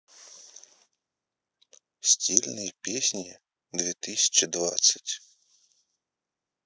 стильные песни две тысячи двадцать